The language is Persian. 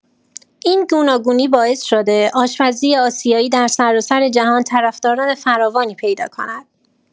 این گوناگونی باعث شده آشپزی آسیایی در سراسر جهان طرفداران فراوانی پیدا کند.